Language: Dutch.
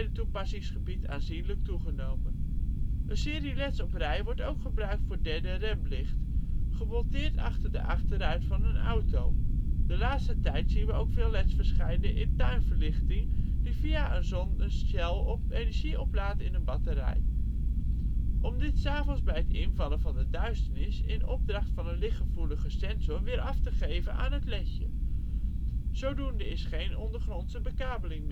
toepassingsgebied aanzienlijk toegenomen. Een serie LED 's op rij wordt ook gebruikt voor derde remlicht; gemonteerd achter de achterruit van een auto. De laatste tijd zien we ook veel LED 's verschijnen in tuinverlichting, die via een zonnecel energie opslaat in een batterij, om dit ' s avonds bij het invallen van de duisternis, in opdracht van een lichtgevoelige sensor, weer af te geven aan het LEDje. Zodoende is geen ondergrondse bekabeling